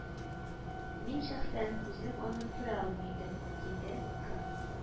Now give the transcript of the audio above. - мин шәхсән үзем аны күралмый идем, - диде к